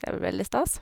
Det blir veldig stas.